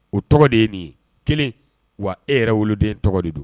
O tɔgɔ de ye nin ye kelen wa e yɛrɛ woloden tɔgɔ de don